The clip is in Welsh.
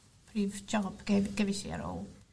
prif job gef gefesh i ar ôl